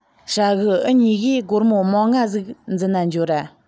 ཧྲ གི འུ གཉིས ཀས སྒོར མོ མང ང ཟིག འཛིན ན འགྱོ ར